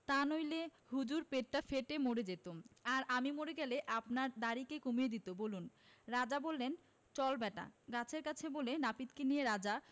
তা নইলে হুজুর পেটটা ফেটে মরে যেতুমআর আমি মরে গেলে আপনার দাড়ি কে কমিয়ে দিত বলুন রাজা বললেন চল ব্যাটা গাছের কাছে বলে নাপিতকে নিয়ে রাজা